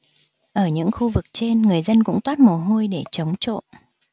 ở những khu vực trên người dân cũng toát mồ hôi để chống trộm